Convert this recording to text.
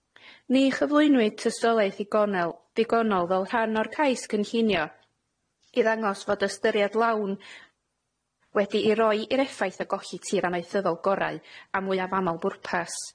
Ni chyflwynwyd tystiolaeth ddigonel- ddigonol fel rhan o'r cais cynlluno i ddangos fod ystyriaeth lawn wedi i roi i'r effaith o golli tir amaethyddol gorau a mwyaf amal bwrpas.